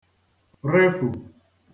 refụ̀